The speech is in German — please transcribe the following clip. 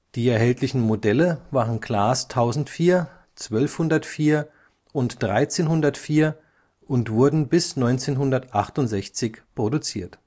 Die erhältlichen Modelle waren Glas 1004, 1204 und 1304 und wurden bis 1968 produziert